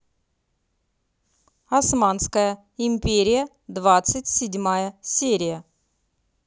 османская империя двадцать седьмая серия